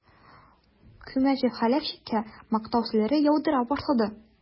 Күмәчев Хәләфчиккә мактау сүзләре яудыра башлады.